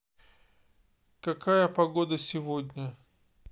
какая погода сегодня